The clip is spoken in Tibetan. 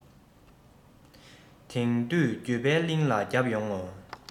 དེ དུས འགྱོད པའི གླིང ལ བརྒྱབ ཡོང ངོ